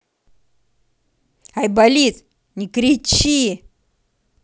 айболит не кричи